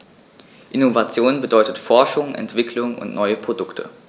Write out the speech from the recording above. Innovation bedeutet Forschung, Entwicklung und neue Produkte.